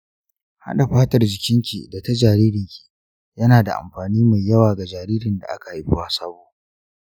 haɗa fatar jikinki da ta jaririnki yana da amfani mai yawa ga jaririn da aka haifa sabo